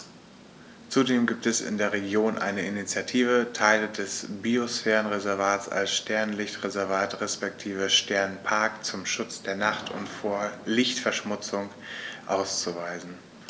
Zudem gibt es in der Region eine Initiative, Teile des Biosphärenreservats als Sternenlicht-Reservat respektive Sternenpark zum Schutz der Nacht und vor Lichtverschmutzung auszuweisen.